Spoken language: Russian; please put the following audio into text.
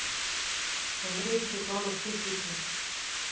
андрей и светлана сытники